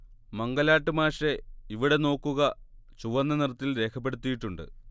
മംഗലാട്ട് മാഷെ ഇവിടെ നോക്കുക ചുവന്ന നിറത്തിൽ രേഖപ്പെടുത്തിയിട്ടുണ്ട്